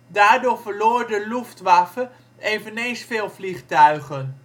Daardoor verloor de Luftwaffe eveneens veel vliegtuigen